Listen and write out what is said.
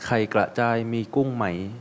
ไข่กระจายมีกุ้งไหม